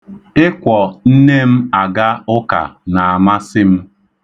Ịkwọ nne m aga ụka na-amasị m.